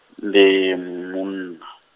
ndi, munna.